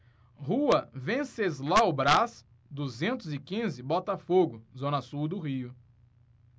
rua venceslau braz duzentos e quinze botafogo zona sul do rio